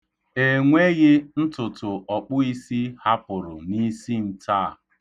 E nweghị ntụtụ ọkpụisi hapụrụ n'isi m taa.